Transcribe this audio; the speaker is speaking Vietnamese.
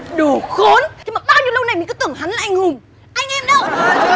đồ khốn thế mà bao nhiêu lâu nay mình cứ tưởng hắn là anh hùng anh em đâu